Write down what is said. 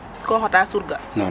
Koo xotaa surga?